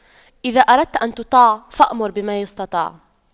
إذا أردت أن تطاع فأمر بما يستطاع